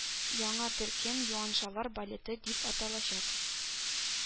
Яңа төркем Юаншалар балеты дип аталачак